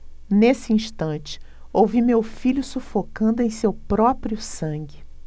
nesse instante ouvi meu filho sufocando em seu próprio sangue